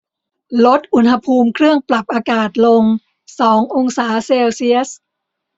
ลดอุณหภูมิเครื่องปรับอากาศลงสององศาเซลเซียส